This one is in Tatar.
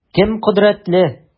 Кем кодрәтле?